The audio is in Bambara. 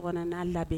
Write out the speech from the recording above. n'a labɛn